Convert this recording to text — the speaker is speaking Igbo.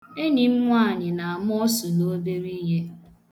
Enyi m nwaanyị na-ama ọsụ n'obere ihe.